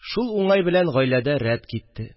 Шул уңай белән гаиләдә рәт китте